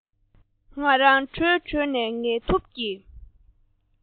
ང རང བྲོས བྲོས ནས ངལ དུབ ཀྱིས